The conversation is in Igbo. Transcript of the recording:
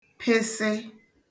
pịsị